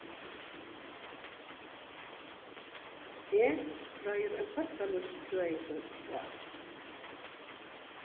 her greiður ein fólkalívsfrøðingur frá